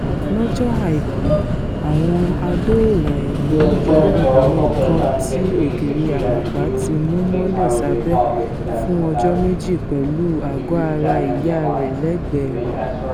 Lọ́jọ́ Àìkú, àwọn adóòlà-ẹ̀mí yọ obìnrin kan ti ògiri àlàpà ti mú mọ́lẹ̀ sábẹ́ fún ọjọ́ méjì pẹ̀lú àgọ́-ara ìyá rẹ̀ lẹ́ẹ̀gbẹ́ rẹ̀